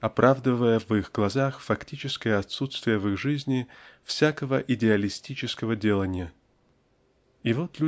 оправдывая в их глазах фактическое отсутствие в их жизни всякого идеалистического делания. И вот